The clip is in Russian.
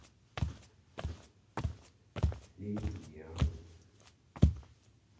леди диан